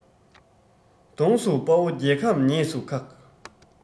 གདོང བསུ དཔའ བོ རྒྱལ ཁམས ཉེས སུ ཁག